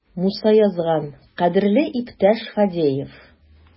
Муса язган: "Кадерле иптәш Фадеев!"